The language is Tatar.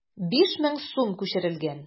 5000 сум күчерелгән.